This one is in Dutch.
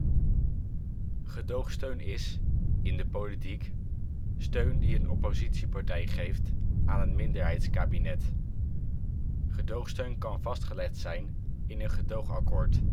Gedoogsteun is, in de politiek, steun die een oppositiepartij geeft aan een minderheidskabinet. Gedoogsteun kan vastgelegd zijn in een gedoogakkoord